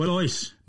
Wel oes.